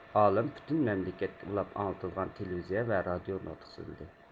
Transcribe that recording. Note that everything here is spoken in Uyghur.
ئالىم پۈتۈن مەملىكەتكە ئۇلاپ ئاڭلىتىلغان تېلېۋىزىيە ۋە رادىئودا نۇتۇق سۆزلىدى